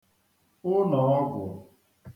ụnọ̀ọgwụ̀